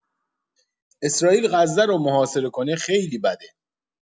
اسرائیل غزه رو محاصره کنه خیلی بده!